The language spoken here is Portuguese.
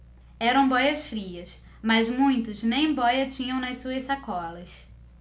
eram bóias-frias mas muitos nem bóia tinham nas suas sacolas